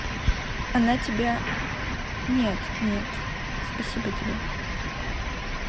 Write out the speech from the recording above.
она тебя нет нет спасибо тебе